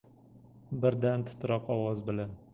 birdan titroq ovoz bilan